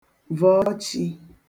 vọ̀ọ chī